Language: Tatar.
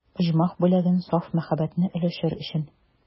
Оҗмах бүләген, саф мәхәббәтне өләшер өчен.